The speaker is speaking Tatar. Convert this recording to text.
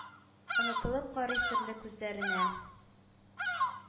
Онытылып карый серле күзләренә.